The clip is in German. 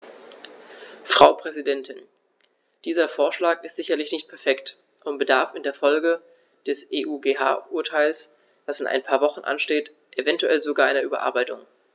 Frau Präsidentin, dieser Vorschlag ist sicherlich nicht perfekt und bedarf in Folge des EuGH-Urteils, das in ein paar Wochen ansteht, eventuell sogar einer Überarbeitung.